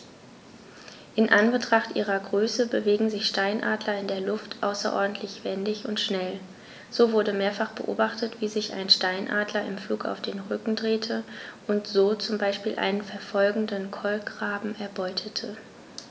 In Anbetracht ihrer Größe bewegen sich Steinadler in der Luft außerordentlich wendig und schnell, so wurde mehrfach beobachtet, wie sich ein Steinadler im Flug auf den Rücken drehte und so zum Beispiel einen verfolgenden Kolkraben erbeutete.